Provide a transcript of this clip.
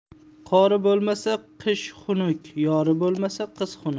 qori bo'lmasa qish xunuk yori bo'lmasa qiz xunuk